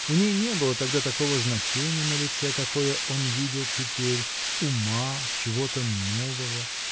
У ней не было тогда такого значения на лице, какое он видел теперь, ума, чего-то нового.